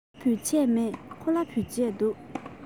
ང ལ བོད ཆས མེད ཁོ ལ བོད ཆས འདུག